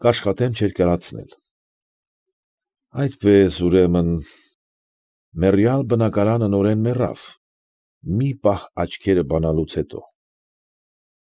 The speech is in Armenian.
Կաշխատեմ չերկարացնել։ Այդպես, ուրեմն, մեռյալ բնակարանը նորեն մեռավ, մի պահ աչքերը բանալուց հետո։